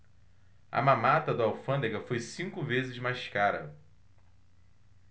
a mamata da alfândega foi cinco vezes mais cara